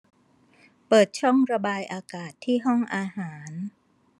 เปิดช่องระบายอากาศที่ห้องอาหาร